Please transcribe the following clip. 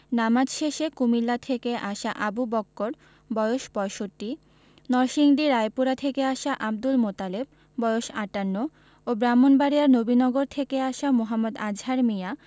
নামাজ শেষে কুমিল্লা থেকে আসা আবু বক্কর বয়স ৬৫ নরসিংদী রায়পুরা থেকে আসা আবদুল মোতালেব বয়স ৫৮ ও ব্রাহ্মণবাড়িয়ার নবীনগর থেকে আসা মো. আজহার মিয়া